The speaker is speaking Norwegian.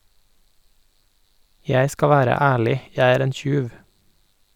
- Jeg skal være ærlig , jeg er en tjuv.